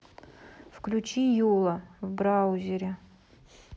включи юла в браузере